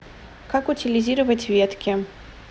как утилизировать ветки